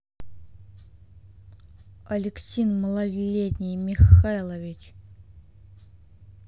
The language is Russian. алексин малолетние михайлович